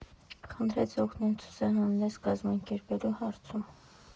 Խնդրեց օգնել ցուցահանդես կազմակերպելու հարցում։